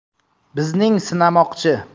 bizning sinamoqchi